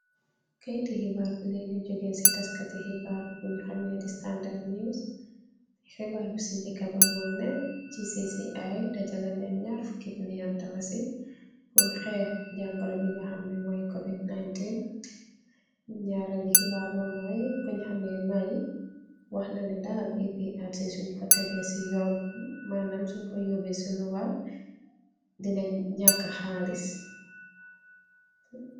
Kehyitti hibarr boo jogeeh ce tass kaati hibaar bunj hameh di standard news, kibaar ce dehka baa moui neh gcci dajaleh nen nyaari fuuki million dalasi puur hehkk jangoro bu nga hamneh moui covid 19, nyarreli hibaar bi moui wananeh daal aprc sunj ko tehgeih ce yournen, manam sunj ko yourbeh ce ruwaah dineeh nyaaka haliss.